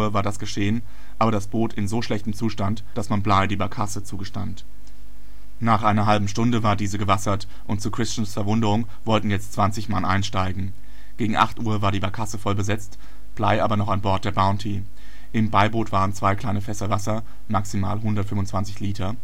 war das geschehen, aber das Boot in so schlechtem Zustand, dass man Bligh die Barkasse zugestand. Nach einer halben Stunde war diese gewassert, und zu Christians Verwunderung wollten jetzt 20 Mann einsteigen. Gegen acht Uhr war die Barkasse voll besetzt, Bligh aber noch an Bord der Bounty. Im Beiboot waren zwei kleine Fässer Wasser (maximal 125 Liter